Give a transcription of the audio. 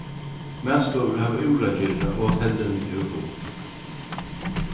matstovur hava úr at gera og hotellini eru full